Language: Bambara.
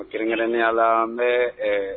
Kelenrinkɛrɛn ne yala la n mɛ